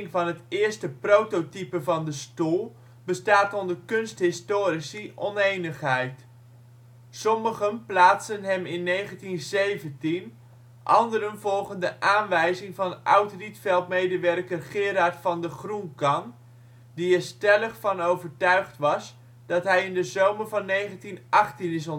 van het eerste prototype van de stoel bestaat onder kunsthistorici onenigheid. Sommigen plaatsen hem in 1917, anderen volgen de aanwijzing van oud-Rietveld-medewerker Gerard van de Groenkan, die er stellig van overtuigd was dat hij in de zomer van 1918 is ontstaan